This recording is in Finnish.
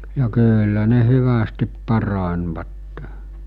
ja kyllä ne hyvästi paranivat